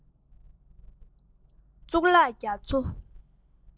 གཙུག ལག རྒྱ མཚོ